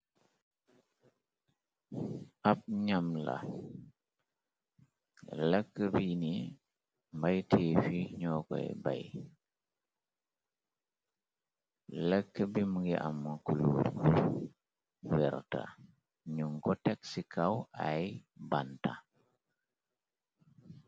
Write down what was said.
Ab nam la lëkk bi ni mbay tiif i ñoo koy bay lëkk bim ngi am kuluur verta nu ngotek ci kaw ay banta.